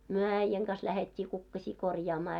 me äijän kanssa lähdettiin kukkasia korjaamaan